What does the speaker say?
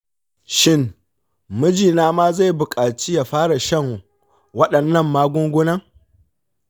shin mijina ma zai buƙaci ya fara shan waɗannan magungunan?